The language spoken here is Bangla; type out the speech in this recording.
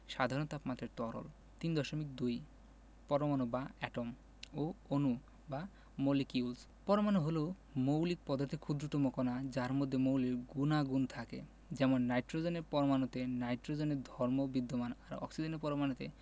সাধারণ তাপমাত্রায় তরল 3.2 ৩.২ পরমাণু বা এটম ও অণু বা মলিকিউলস পরমাণু হলো মৌলিক পদার্থের ক্ষুদ্রতম কণা যার মধ্যে মৌলের গুণাগুণ থাকে যেমন নাইট্রোজেনের পরমাণুতে নাইট্রোজেনের ধর্ম বিদ্যমান আর অক্সিজেনের পরমাণুতে